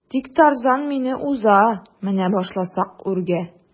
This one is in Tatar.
Тик Тарзан мине уза менә башласак үргә.